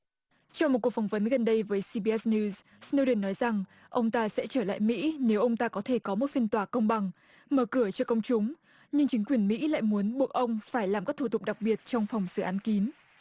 cho một cuộc phỏng vấn gần đây với si bi ét niu sờ nâu đần nói rằng ông ta sẽ trở lại mỹ nếu ông ta có thể có một phiên tòa công bằng mở cửa cho công chúng nhưng chính quyền mỹ lại muốn buộc ông phải làm các thủ tục đặc biệt trong phòng xử án kín